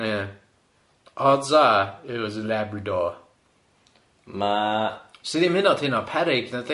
Ia odds are it was a labradoor ma'... Sydd ddim hynod hynna peryg nadi?